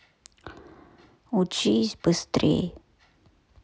учись быстрей